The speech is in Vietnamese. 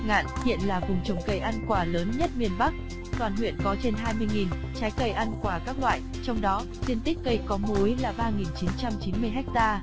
lục ngạn hiện là vùng trồng cây ăn quả lớn nhất miền bắc toàn huyện có trên ha trái cây ăn quả các loại trong đó diên tích cây có múi là ha